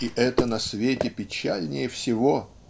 и это на свете печальнее всего.